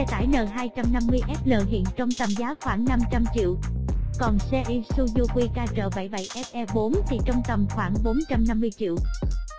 giá xe tải n sl tấn hiện trong tầm giá khoảng triệu còn xe isuzu qkr fe thì trong tầm khoảng triệu